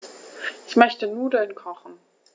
Ich möchte Nudeln kochen.